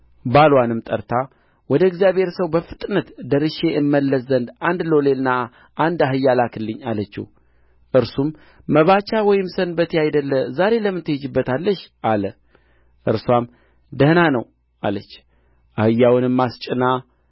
በጕልበትዋም ላይ እስከ ቀትር ድረስ ተቀመጠ ሞተም ወጥታም በእግዚአብሔር ሰው አልጋ ላይ አጋደመችው በሩንም ዘግታበት ወጣች